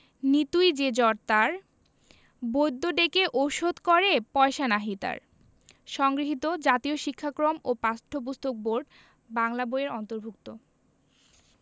নিতুই যে জ্বর তার বৈদ্য ডেকে ওষুধ করে পয়সা নাহি তার সংগৃহীত জাতীয় শিক্ষাক্রম ও পাঠ্যপুস্তক বোর্ড বাংলা বই এর অন্তর্ভুক্ত